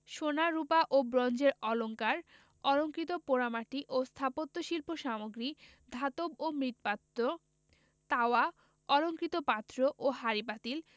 সোনা রূপা ও ব্রোঞ্জের অলঙ্কার অলঙ্কৃত পোড়ামাটি ও স্থাপত্যশিল্প সামগ্রী ধাতব ও মৃৎ পাত্র তাওয়া অলংকৃত পাত্র ও হাঁড়িপাতিল